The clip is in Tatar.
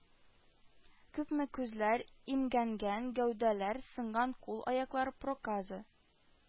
Күпме күзләр, имгәнгән гәүдәләр, сынган кул-аяклар, проказа